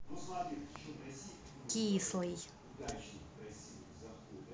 кислый